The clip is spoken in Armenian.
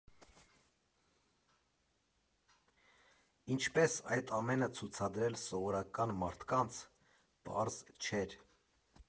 Ինչպես այդ ամենը ցուցադրել սովորական մարդկանց՝ պարզ չէր։